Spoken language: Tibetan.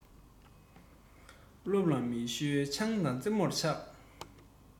སློབ ལ མི ཞོལ ཆང དང རྩེད མོར ཆགས